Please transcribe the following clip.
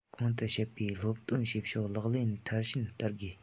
གོང དུ བཤད པའི སློབ སྟོན བྱེད ཕྱོགས ལག ལེན མཐར ཕྱིན བསྟར དགོས